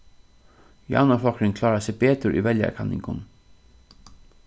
javnaðarflokkurin klárar seg betur í veljarakanningum